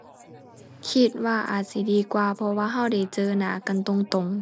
คิดว่าอาจสิดีกว่าเพราะว่าเราได้เจอหน้ากันตรงตรง